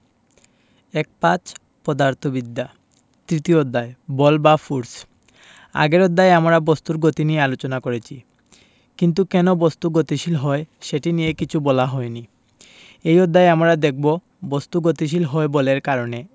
১৫ পদার্থবিদ্যা তৃতীয় অধ্যায় বল বা ফোরস আগের অধ্যায়ে আমরা বস্তুর গতি নিয়ে আলোচনা করেছি কিন্তু কেন বস্তু গতিশীল হয় সেটি নিয়ে কিছু বলা হয়নি এই অধ্যায়ে আমরা দেখব বস্তু গতিশীল হয় বলের কারণে